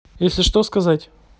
если что то сказать